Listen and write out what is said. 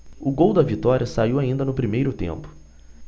o gol da vitória saiu ainda no primeiro tempo